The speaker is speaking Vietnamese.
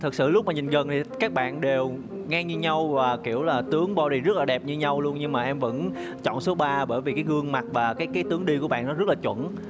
thực sự lúc mà nhìn gần các bạn đều ngang như nhau và kiểu là tướng bo đì rất là đẹp như nhau nhưng mà em vẫn chọn số ba bởi vì cái gương mặt và cái tương đi của bạn rất là chuẩn